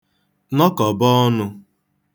nọkọ̀ba ọnū